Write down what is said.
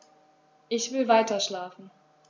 Ich will weiterschlafen.